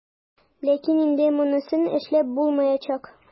Ләкин инде монысын эшләп булмаячак.